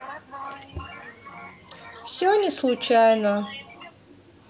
все не случайно